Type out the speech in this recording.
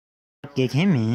ང དགེ རྒན མིན